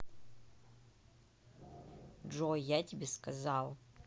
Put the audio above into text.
джой я тебе сказал